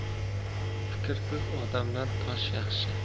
fikrsiz odamdan tosh yaxshi